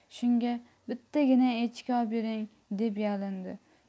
shunga bittagina echki obering deb yalindi